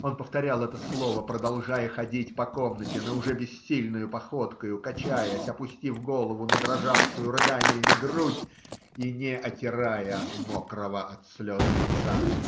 Он повторял это слово, продолжая ходить по комнате, но уже бессильною походкою, качаясь, опустив голову на дрожавшую рыданьями грудь и не отирая мокрого от слез лица.